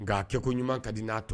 Nka kɛkoɲuman ka di n'a tɔ